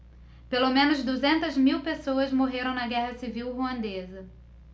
pelo menos duzentas mil pessoas morreram na guerra civil ruandesa